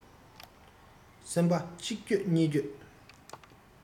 སེམས པ གཅིག འགྱོད གཉིས འགྱོད